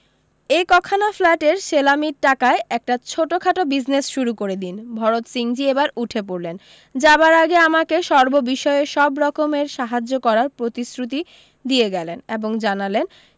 এই কখানা ফ্ল্যাটের সেলামির টাকায় একটা ছোটখাটো বিজনেস শুরু করে দিন ভরত সিংজী এবার উঠে পড়লেন যাবার আগে আমাকে সর্ববিষয়ে সব রকমের সাহায্য করার প্রতিশ্রুতি দিয়ে গেলেন এবং জানালেন